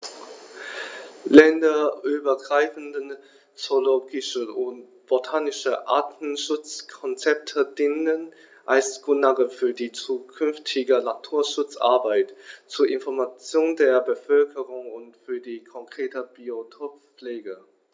Länderübergreifende zoologische und botanische Artenschutzkonzepte dienen als Grundlage für die zukünftige Naturschutzarbeit, zur Information der Bevölkerung und für die konkrete Biotoppflege.